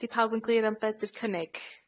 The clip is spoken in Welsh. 'Di pawb yn glir am be' 'di'r cynnig?